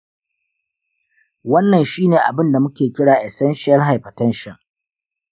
wannan shi ne abin da muke kira essential hypertension.